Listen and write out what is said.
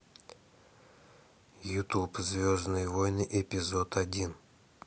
ютуб звездные войны эпизод один